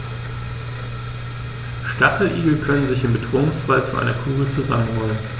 Stacheligel können sich im Bedrohungsfall zu einer Kugel zusammenrollen.